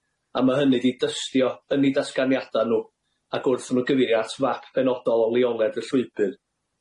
a ma' hynny 'di dystio yn 'u datganiada nw, ac wrth i nw gyfeirio at fap penodol o leoliad y llwybyr.